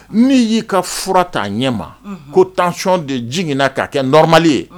N'i y'i ka fura'a ɲɛ ma ko tancon de jigin na k'a kɛ nɔrɔma ye